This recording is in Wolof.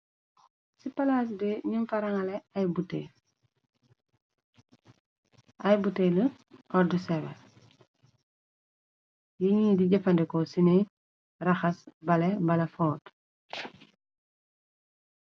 Ci palaas be ñu faranale ay butelu ordu sewel yu ñit yi di jëfandeko sini raxas bale mbala foot.